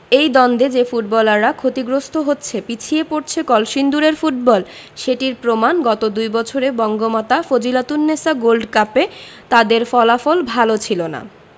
এই দ্বন্দ্বে যে ফুটবলাররা ক্ষতিগ্রস্ত হচ্ছে পিছিয়ে পড়ছে কলসিন্দুরের ফুটবল সেটির প্রমাণ গত দুই বছরে বঙ্গমাতা ফজিলাতুন্নেছা গোল্ড কাপে তাদের ফলাফল ভালো ছিল না